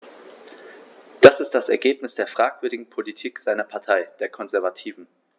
Das ist das Ergebnis der fragwürdigen Politik seiner Partei, der Konservativen.